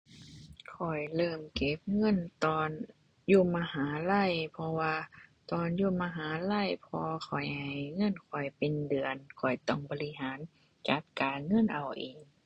ข้อยเริ่มเก็บเงินตอนอยู่มหาลัย เพราะว่าตอนอยู่มหาลัยพ่อข้อยให้เงินข้อยเป็นเดือน ข้อยต้องบริหารจัดการเงินเอาเอง